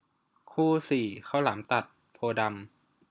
คู่สี่ข้าวหลามตัดโพธิ์ดำ